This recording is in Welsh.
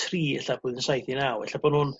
tri ella blwyddyn saith i naw elle bo' nw'n